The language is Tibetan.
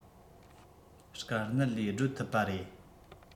དཀའ གནད ལས སྒྲོལ ཐུབ པ རེད